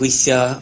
...gweithio